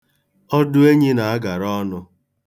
Ọdụenyi na-agara ọnụ.